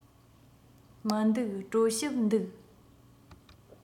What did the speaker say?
མི འདུག གྲོ ཞིབ འདུག